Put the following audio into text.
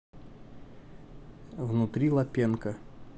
внутри лапенко